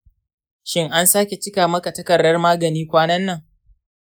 shin an sake cika maka takardar magani kwanan nan?